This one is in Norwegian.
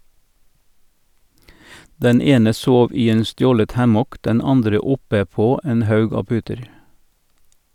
Den ene sov i en stjålet hammock, den andre oppe på en haug av puter.